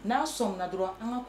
N'a sɔn na dɔrɔn an ka